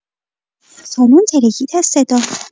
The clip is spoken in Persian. سالن ترکید از صدا.